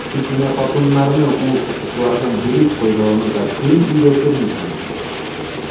Тик менә хатыннарны ул хокуклардан дөрес файдаланырга кем өйрәтер икән соң?